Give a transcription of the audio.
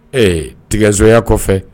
Ee tigasoya kɔfɛ